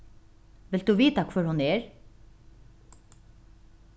vilt tú vita hvør hon er